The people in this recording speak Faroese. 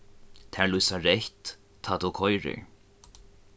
tær lýsa reytt tá tú koyrir